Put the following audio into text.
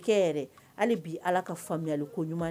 Kɛ yɛrɛ, hali bi Ala ka faamuyaliko ɲuman di